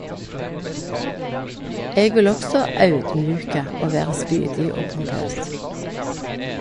Eg vil også audmjuke og vere spydig og pompøs.